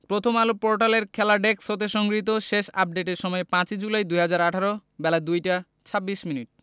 প্রথমআলো পোর্টালের খেলা ডেস্ক হতে সংগৃহীত শেষ আপডেটের সময় ৫ জুলাই ২০১৮ বেলা ২টা ২৬মিনিট